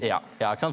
ja ja ikke sant.